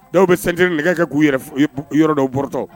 Dɔw bɛ ceinture nɛgɛ kɛ k'u yɔrɔ dɔw bɔrɔtɔ!